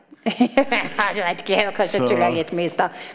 jeg veit ikke kanskje tulla litt mye i stad.